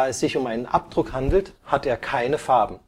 sich um einen Abdruck handelt, hat er keine Farben